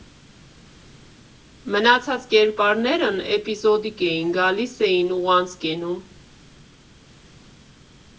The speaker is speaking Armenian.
Մնացած կերպարներն էպիզոդիկ էին, գալիս էին ու անց կենում։